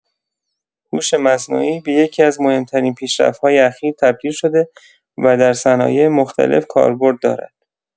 هوش مصنوعی به یکی‌از مهم‌ترین پیشرفت‌های اخیر تبدیل شده و در صنایع مختلف کاربرد دارد.